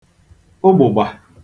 ụgbụ̀gbà